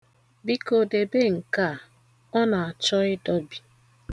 Biko debe nke a, ọ na-achọ ịdọbi.